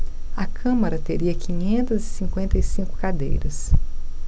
a câmara teria quinhentas e cinquenta e cinco cadeiras